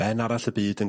Ben arall y byd yn...